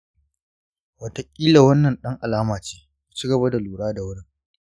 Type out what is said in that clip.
wataƙila wannan ɗan alama ce; ku ci gaba da lura da wurin.